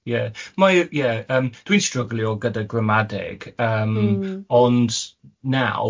Mae, ie yym dwi'n stryglio gyda gramadeg... Mm. ...yym ond nawr